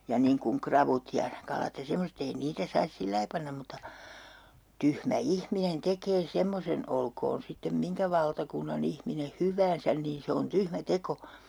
ja niin kuin ravut ja kalat ja semmoiset ei niitä saisi sillä lailla panna mutta tyhmä ihminen tekee semmoisen olkoon sitten minkä valtakunnan ihminen hyvänsä niin se on tyhmä teko